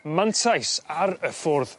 mantais ar y ffordd